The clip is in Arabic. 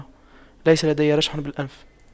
ليس لدي رشح بالأنف